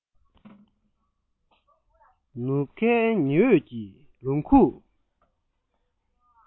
ནུབ ཁའི ཉི འོད ཀྱིས ལུང ཕུག